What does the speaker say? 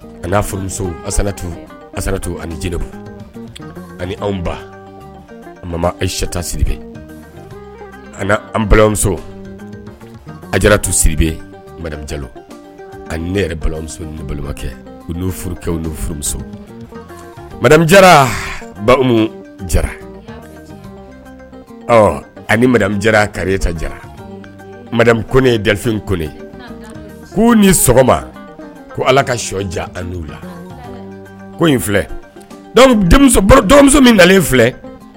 A n' furumuso asatu asatu ani jiri ani anw ba mama ayita siribɛ an an balimamuso a jara tu siribe jalo ani ne yɛrɛ balimamuso balimabakɛ u furukɛ u n furumuso ma jara bamu jara ɔ animuja ka ta jara ko ye dafin konen k'u ni sɔgɔma ko ala ka shɔ ja an la ko in filɛmuso min nalen filɛ